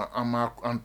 An ba an